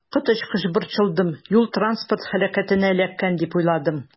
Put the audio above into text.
Коточкыч борчылдым, юл-транспорт һәлакәтенә эләккән дип уйладым.